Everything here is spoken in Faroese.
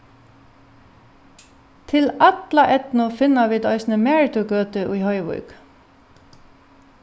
til alla eydnu finna vit eisini maritugøtu í hoyvík